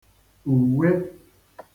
ùwe